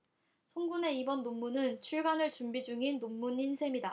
송 군의 이번 논문은 출간을 준비 중인 논문인 셈이다